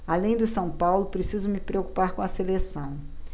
além do são paulo preciso me preocupar com a seleção